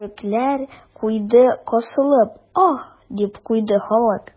Йөрәкләр куйды кысылып, аһ, дип куйды халык.